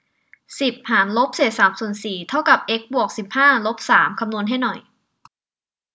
สิบหารลบเศษสามส่วนสี่เท่ากับเอ็กซ์บวกสิบห้าลบสามคำนวณให้หน่อย